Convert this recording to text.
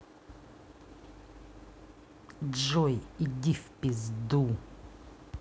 джой иди в пизду